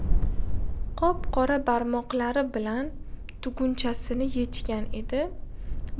qop qora barmoqlari bilan tugunchasini yechgan edi